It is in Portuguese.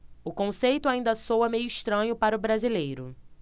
o conceito ainda soa meio estranho para o brasileiro